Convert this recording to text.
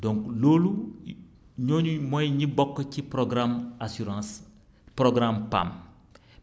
donc loolu ñooñu mooy ñi bokk ci programme assurance programme PAM